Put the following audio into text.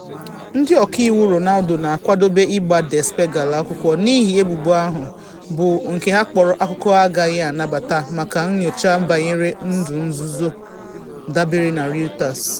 Ndị ọka iwu Ronaldo na-akwadobe ịgba Der Spiegel akwụkwọ n’ihi ebubo ahụ, bụ nke ha kpọrọ “akụkọ agaghị anabata maka nyocha banyere ndụ nzuzo,” dabere na Reuters.